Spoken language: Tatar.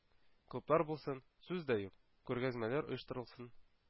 Клублар булсын, сүз дә юк, күргәзмәләр оештырылсын,